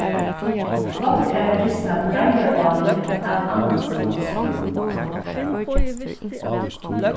gott er at rista breiðar álir av annans mans húð